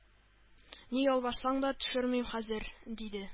Ни ялварсаң да төшермим хәзер! — диде.